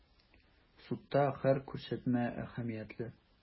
Судта һәр күрсәтмә әһәмиятле.